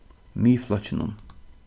miðflokkinum